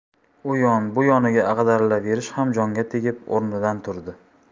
u yon bu yoniga ag'darilaverish ham joniga tegib o'rnidan turdi